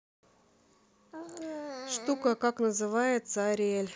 штука как называется ариэль